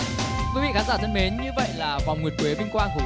quý vị khán giả thân mến như vậy là vòng nguyệt quế vinh quang của